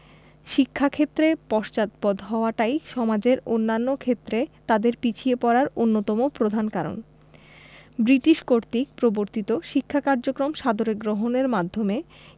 শিক্ষাক্ষেত্রে পশ্চাৎপদ হওয়াটাই সমাজের অন্যান্য ক্ষেত্রে তাদের পিছিয়ে পড়ার অন্যতম প্রধান কারণ ব্রিটিশ কর্তৃক প্রবর্তিত শিক্ষা কার্যক্রম সাদরে গ্রহণের মাধ্যমে